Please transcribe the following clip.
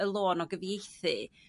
y lôn o gyfieithu